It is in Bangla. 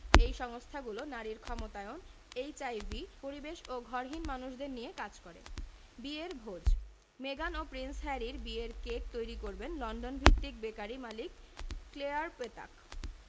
এই সংস্থাগুলো নারীর ক্ষমতায়ন এইচআইভি পরিবেশ ও ঘরহীন মানুষদের নিয়ে কাজ করে বিয়ের ভোজ মেগান ও প্রিন্স হ্যারির বিয়ের কেক তৈরি করবেন লন্ডনভিত্তিক বেকারি মালিক ক্লেয়ার পেতাক